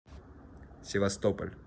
севастополь